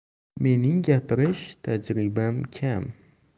mening gapirish tajribam kam